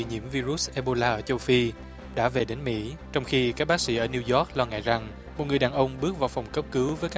bị nhiễm vi rút ê bô la ở châu phi đã về đến mỹ trong khi các bác sĩ ở niu óc lo ngại rằng một người đàn ông bước vào phòng cấp cứu với các